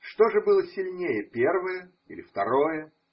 Что же было сильнее: первое или второе?